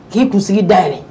K'i kun sigi da ye